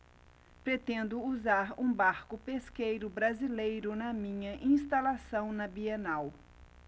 pretendo usar um barco pesqueiro brasileiro na minha instalação na bienal